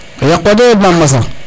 a yaq wa de Mame Mbasa